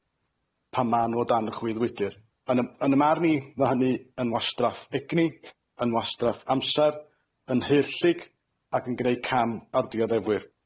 pan ma' nw o dan y chwyddwydyr. Yn 'y- yn 'y marn i ma' hynny yn wastraff egni, yn wastraff amser, yn haerllug, ac yn gneu' cam â'r dioddefwyr.